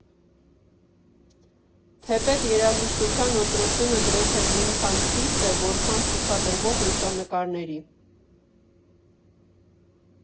Թեպետ երաժշտության ընտրությունը գրեթե նույնքան խիստ է, որքան ցուցադրվող լուսանկարների։